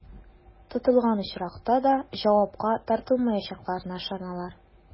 Тотылган очракта да җавапка тартылмаячакларына ышаналар.